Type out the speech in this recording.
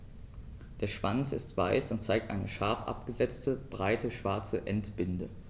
Der Schwanz ist weiß und zeigt eine scharf abgesetzte, breite schwarze Endbinde.